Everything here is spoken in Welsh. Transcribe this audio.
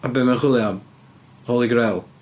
A be mae o'n chwilio am? Holy Grail?